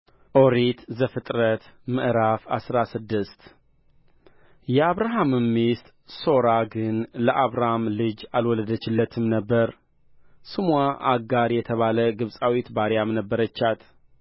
ኦሪት ዘፍጥረት ምዕራፍ አስራ ስድስት የአብራም ሚስት ሦራ ግን ለአብራም ልጅ አልወለደችለትም ነበር ስምዋ አጋር የተባለ ግብፃዊት ባሪያም ነበረቻት